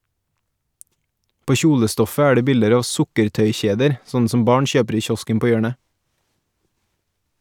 På kjolestoffet er det bilder av sukkertøykjeder, sånne som barn kjøper i kiosken på hjørnet.